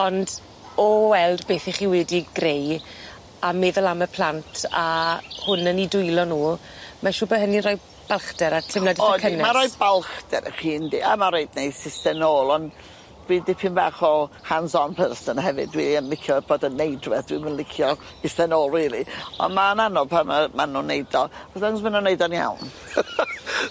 Ond o weld beth 'ych chi wedi greu a meddwl am y plant a hwn yn 'u dwylo nw ma' siŵr bo' hynny'n roi balchder a teimlad itha cynnes. O ydi ma' roi balchder i chi yndi a ma' reit neis iste nôl ond dwi dipyn bach o hands on person hefyd dwi yn licio bod yn neud rwbeth dwi'm yn licio ista nôl rili ond ma'n anodd pan ma' ma' nw'n neud o ma' nw'n neud o'n iawn.